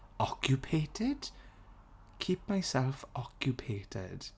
Occupated? Keep myself occupated.